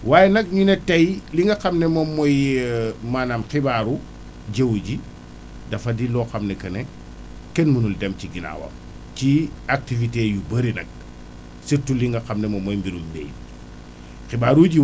waaye nag ñu ne tey li nga xam ne moom mooy maanaam xibaaru jiw ji dafa di loo xam ne que ne kenn munul dem ci ginnaawam ci activité yu bëri nag surtout li nga xam ne moom mooy mbiru mbéy xibaaru jiw